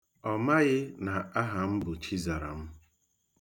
Ọ maghị na aha m bụ Chizaram.